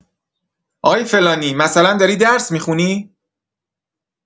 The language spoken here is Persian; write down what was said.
آقای فلانی، مثلا داری درس می‌خونی؟